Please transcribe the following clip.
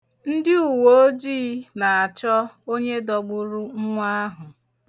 Ndị uweojii na-achọ onye dọgburu nwa ahụ.